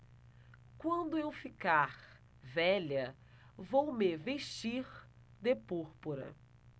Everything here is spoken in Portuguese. quando eu ficar velha vou me vestir de púrpura